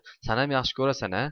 sanam yaxshi ko'rasana